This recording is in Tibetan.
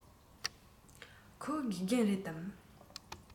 ཁོ དགེ རྒན རེད དམ